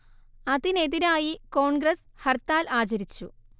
അതിനെതിരായി കോൺഗ്രസ് ഹർത്താൽ ആചരിച്ചു